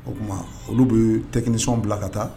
O tuma olu bɛ tɛi nisɔn bila ka taa